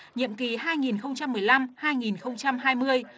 nhiệm kỳ hai nghìn không trăm mười lăm hai nghìn không trăm hai mươi